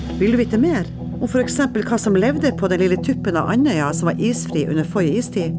vil du vite mer om f.eks. hva som levde på den lille tuppen av Andøya som var isfri under forrige istid?